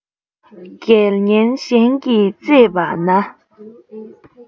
རྒྱལ ངན གཞན གྱིས གཙེས པ ན